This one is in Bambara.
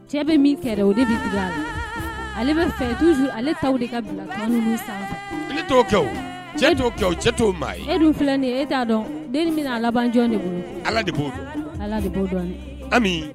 Cɛ bɛ min kɛ dɛ o de bɛ digi a la. Ale bɛ fɛ toujours ale taw de ka bila tɔ ninnu sanfɛ. Ale t'ɔ kɛ o, cɛ t'o kɛ o, cɛ t'o maa ye. E dun filɛ ni ye e t'a dɔn, den ni bɛna laban jɔn de bolo. Ala de b'ɔ dɔn. Ala de b'ɔ dɔn. Ami